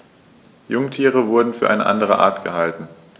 Jungtiere wurden für eine andere Art gehalten.